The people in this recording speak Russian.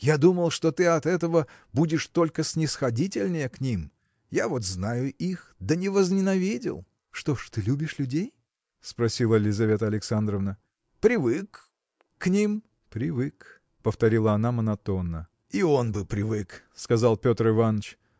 я думал, что ты от этого будешь только снисходительнее к ним. Я вот знаю их, да не возненавидел. – Что ж, ты любишь людей? – спросила Лизавета Александровна. – Привык. к ним. – Привык! – повторила она монотонно. – И он бы привык – сказал Петр Иваныч